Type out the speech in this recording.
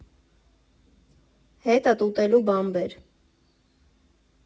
Հետդ ուտելու բան բեր։